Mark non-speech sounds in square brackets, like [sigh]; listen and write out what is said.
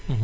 [hesitation] [hesitation]